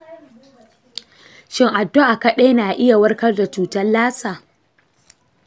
shin addu’a kaɗai na iya warkar da cutar lassa?